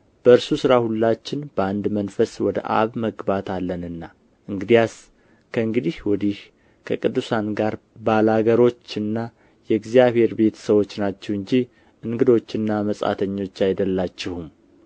በእርሱ ሥራ ሁላችን በአንድ መንፈስ ወደ አብ መግባት አለንና እንግዲያስ ከእንግዲህ ወዲህ ከቅዱሳን ጋር ባላገሮችና የእግዚአብሔር ቤተ ሰዎች ናችሁ እንጂ እንግዶችና መጻተኞች አይደላችሁም